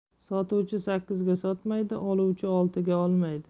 sotuvchi sakkizga sotmaydi oluvchi oltiga olmaydi